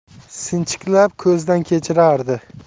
sinchiklab ko'zdan kechirardi